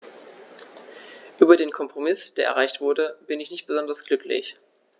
Über den Kompromiss, der erreicht wurde, bin ich nicht besonders glücklich.